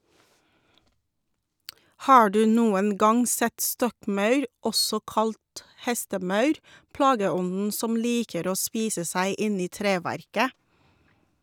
Har du noen gang sett stokkmaur, også kalt hestemaur, plageånden som liker å spise seg inn i treverket?